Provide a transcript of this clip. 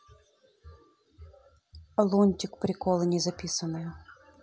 лунтик приколы незаписанное